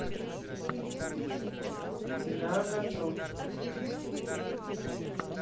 да готов